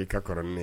I ka kɔrɔ mɛn